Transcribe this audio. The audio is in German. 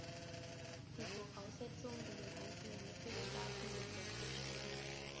Die Voraussetzungen in den einzelnen Mitgliedstaaten sind sehr verschieden.